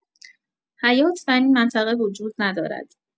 حیات در این منطقه وجود ندارد.